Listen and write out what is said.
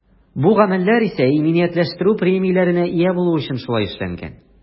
Бу гамәлләр исә иминиятләштерү премияләренә ия булу өчен шулай эшләнгән.